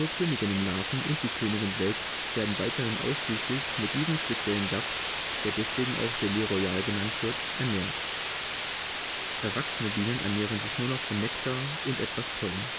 Königinnenlarven und die Königin selbst werden weiterhin ausschließlich mit diesem speziellen Saft, der deswegen auch Gelée Royale genannt wird, ernährt. Erwachsene Bienen ernähren sich nur noch von Nektar und etwas Pollen